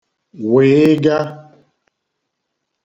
wụ̀ị̀ga